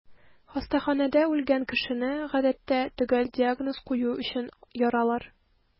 Хастаханәдә үлгән кешене, гадәттә, төгәл диагноз кую өчен яралар.